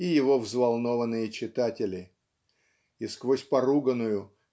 и его взволнованные читатели и сквозь поруганную